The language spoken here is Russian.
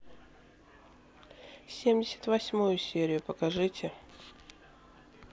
семьдесят восьмую серию покажите